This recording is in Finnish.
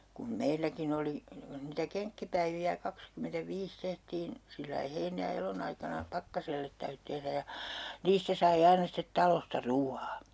kun meilläkin oli niin kuin niitä kenkkipäiviä kaksikymmentäviisi tehtiin sillä lailla heinä- ja elonaikana Pakkaselle täytyi tehdä ja niistä sai aina sitten talosta ruoan